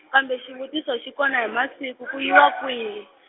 kambe xivutiso xi kona hi masiku ku yiwa kwihi?